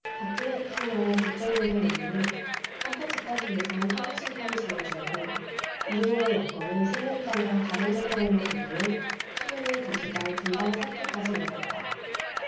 박근혜 대통령의 국정농단 연루로 헌법재판소에선 탄핵 심판이 진행 중이고 이로 인해 여권은 새누리당과 바른정당으로 갈리는 초유의 보수당 분당 사태까지 일어났다